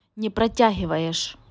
не протягиваешь